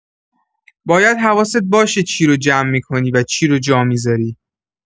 باید حواست باشه چی رو جمع می‌کنی و چی رو جا می‌ذاری.